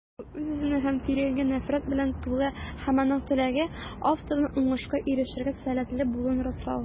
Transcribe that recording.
Ул үз-үзенә һәм тирә-юньгә нәфрәт белән тулы - һәм аның теләге: авторның уңышка ирешергә сәләтле булуын раслау.